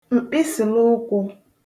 m̀kpịsịl̀ụkwụ̄